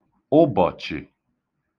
ụbọ̀chị̀